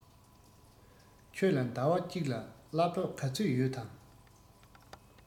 ཁྱོད ལ ཟླ བ གཅིག ལ གླ ཕོགས ག ཚོད ཡོད དམ